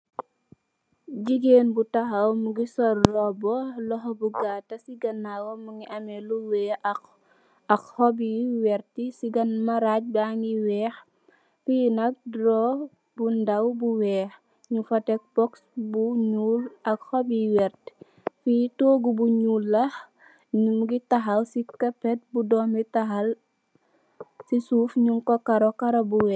Jegain bu tahaw muge sol roubu lohou bu gateh se ganawam muge ameh lu weex ak hopp yu verte se ga marage bage weex fee nak durow bu ndaw bu weex nugku tek box bu nuul ak hopp yu verte fe toogu bu nuul la muge tahaw se capet bu dome tahal se suuf nugku karou karou bu weex.